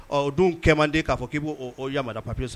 Ɔ don kɛ manden k'a k'i b'o yama papiye